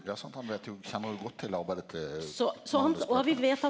ja sant han veit jo kjenner jo godt til arbeidet til .